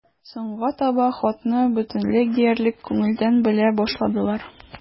Соңга таба хатны бөтенләй диярлек күңелдән белә башладылар.